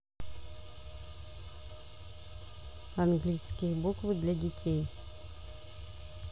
английские буквы для детей